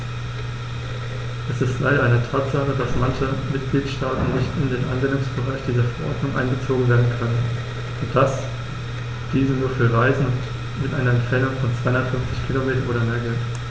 Es ist leider eine Tatsache, dass manche Mitgliedstaaten nicht in den Anwendungsbereich dieser Verordnung einbezogen werden können und dass diese nur für Reisen mit einer Entfernung von 250 km oder mehr gilt.